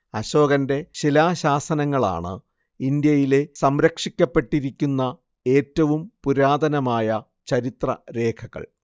അശോകന്റെ ശിലാശാസനങ്ങളാണ് ഇന്ത്യയിലെ സംരക്ഷിക്കപ്പെട്ടിരിക്കുന്ന ഏറ്റവും പുരാതനമായ ചരിത്രരേഖകൾ